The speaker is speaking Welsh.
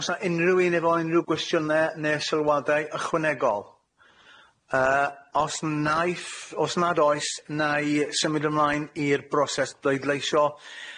O's 'a unryw un efo unryw gwestiyne ne sylwadau ychwanegol? Yy os naeth os nad oes nai symud ymlaen i'r broses bleidleisio.